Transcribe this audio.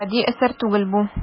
Гади әсәр түгел бу.